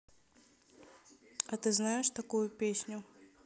а ты знаешь такую песню